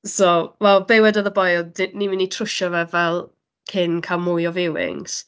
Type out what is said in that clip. So, wel be wedodd y boi oedd, d- "Ni'n mynd i trwsio fe, fel, cyn cael mwy o viewings."